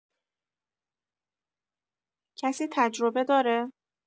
کسی تجربه داره؟